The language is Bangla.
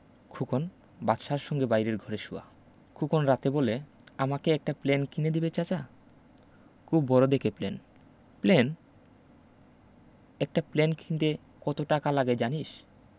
খোকন বাদশার সঙ্গে বাইরের ঘরে শোয়া খোকন রাতে বলে আমাকে একটা প্লেন কিনে দিবে চাচা খুব বড় দেখে প্লেন প্লেন একটা প্লেন কিনতে কত টাকা লাগে জানিস